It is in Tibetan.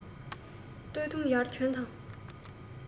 སྟོད འཐུང ཡར གྱོན དང